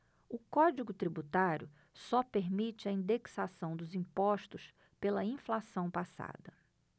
o código tributário só permite a indexação dos impostos pela inflação passada